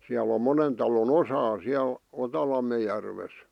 siellä on monen talon osaa siellä Otalammen järvessä